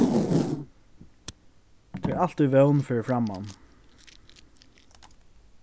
tað er altíð vón fyri framman